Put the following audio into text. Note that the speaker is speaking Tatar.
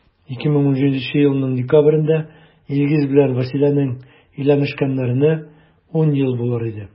2017 елның декабрендә илгиз белән вәсиләнең өйләнешкәннәренә 10 ел булыр иде.